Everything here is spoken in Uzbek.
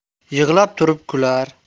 yig'lab turib kular